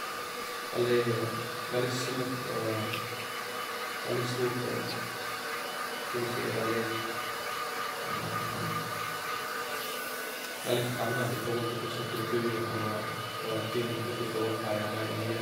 veldig veldig stort og Veldig stort og, hva skal du si, veldig veldig fremmed i forhold til kossen kulturen og og byen er lagt opp i forhold til her hjemme i Norge.